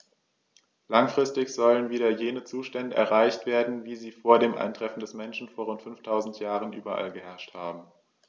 Langfristig sollen wieder jene Zustände erreicht werden, wie sie vor dem Eintreffen des Menschen vor rund 5000 Jahren überall geherrscht haben.